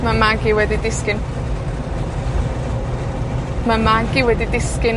Ma' mag i wedi disgyn. Ma' mag i wedi disgyn.